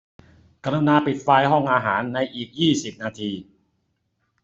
กรุณาปิดไฟห้องอาหารในอีกยี่สิบนาที